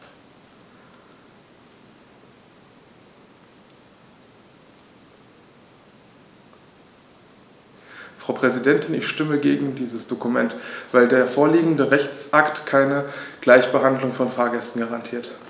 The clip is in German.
Frau Präsidentin, ich stimme gegen dieses Dokument, weil der vorliegende Rechtsakt keine Gleichbehandlung von Fahrgästen garantiert.